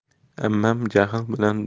ammam jahl bilan